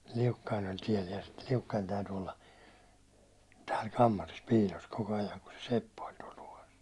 Liukkanen oli tiellä ja sitten Liukkanen täytyi olla täällä kammarissa piilossa koko ajan kun se seppä oli tuolla tuvassa